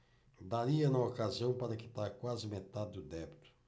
daria na ocasião para quitar quase metade do débito